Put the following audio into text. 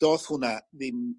doth hwnna ddim